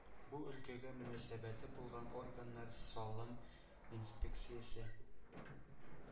Бу өлкәгә мөнәсәбәте булган органнар – салым инспекциясе,